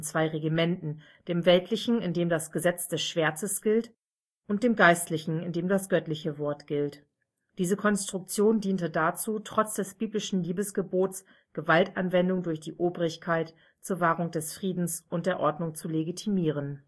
Regimentern “), dem weltlichen, in dem das „ Gesetz des Schwertes “gilt, und dem geistlichen, in dem das göttliche Wort gilt. Diese Konstruktion diente dazu, trotz des biblischen Liebesgebots Gewaltanwendung durch die Obrigkeit zur Wahrung des Friedens und der Ordnung zu legitimieren